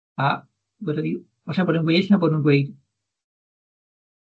a wedodd hi falle bod yn well na bo' nw'n gweud